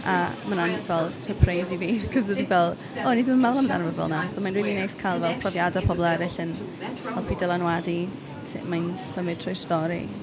A ma' hwnna'n fel syrpreis i fi, cause o'n ni fel "o'n ni ddim yn meddwl amdano fe fel 'na". So mae'n rili neis cael profiadau pobl eraill yn helpu dylanwadu sut mae'n symud trwy'r stori.